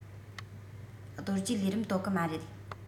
རྡོ རྗེ ལས རིམ དོ གུ མ རེད